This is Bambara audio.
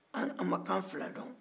an ma kan fila dɔn